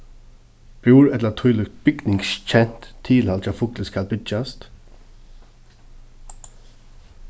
búr ella tílíkt bygningskent tilhald hjá fugli skal byggjast